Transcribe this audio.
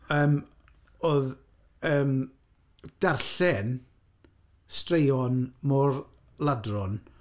Yym oedd yym darllen straeon môr-ladron.